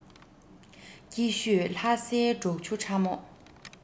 སྐྱིད ཤོད ལྷ སའི གྲོག ཆུ ཕྲ མོ